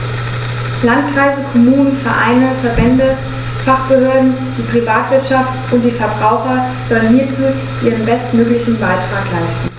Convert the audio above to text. Landkreise, Kommunen, Vereine, Verbände, Fachbehörden, die Privatwirtschaft und die Verbraucher sollen hierzu ihren bestmöglichen Beitrag leisten.